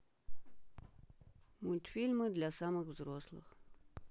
мультфильмы для самых взрослых